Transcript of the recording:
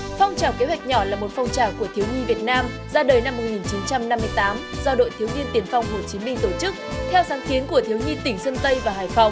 phong trào kế hoạch nhỏ là một phong trào của thiếu nhi việt nam ra đời năm một nghìn chín trăm năm mươi tám do đội thiếu niên tiền phong hồ chí minh tổ chức theo sáng kiến của thiếu nhi tỉnh sơn tây và hải phòng